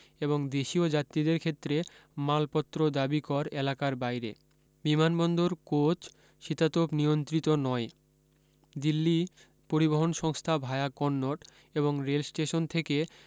এবং দেশীয় যাত্রীদের ক্ষেত্রে মালপত্র দাবিকর এলাকার বাইরে বিমানবন্দর কোচ শীততাপ নিয়ন্ত্রিত নয় দিল্লী পরিবহন সংস্থা ভায়া কন্নট এবং রেলস্টেশন থেকে